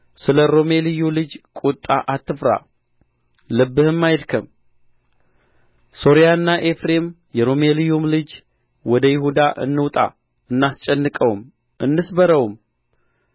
ስለ ሮሜልዩም ልጅ ቍጣ አትፍራ ልብህም አይድከም ሶርያና ኤፍሬም የሮሜልዩም ልጅ ወደ ይሁዳ እንውጣ እናስጨንቀውም እንስበረውም